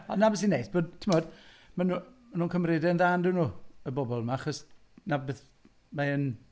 Dyna beth sy'n neis, bod tibod mae nh- mae nhw'n cymryd e'n dda yn dydyn nhw, y bobl yma achos, dyna beth- mae e'n...